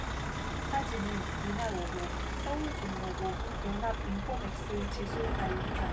사진은 이날 오후 서울 종로구 연합인포맥스 지수 알림판